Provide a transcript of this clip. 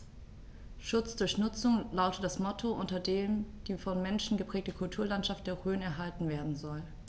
„Schutz durch Nutzung“ lautet das Motto, unter dem die vom Menschen geprägte Kulturlandschaft der Rhön erhalten werden soll.